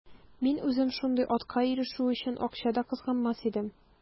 Мин үзем шундый атка ирешү өчен акча да кызганмас идем.